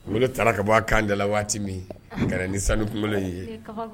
U taara ka bɔ kanda waati min kɛra ni sanu ku in ye